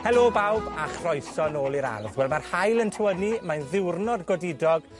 Helo, bawb, a chroeso nôl i'r ardd. Wel ma'r haul yn tywynnu. Mae'n ddiwrnod godidog.